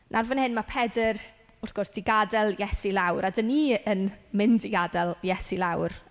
Nawr fan hyn ma' Pedr, wrth gwrs, 'di gadael Iesu lawr a dan ni yn mynd i adael Iesu i lawr.